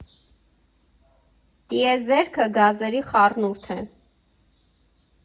Տիեզերքը գազերի խառնուրդ է։